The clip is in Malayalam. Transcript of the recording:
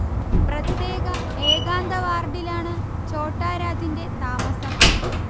പ്രത്യേക ഏകാന്ത വാർഡിലാണ് ഛോട്ടാ രാജന്റെ താമസം